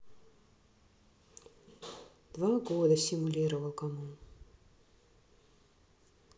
два года симулировал кому